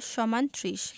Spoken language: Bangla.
= ৩০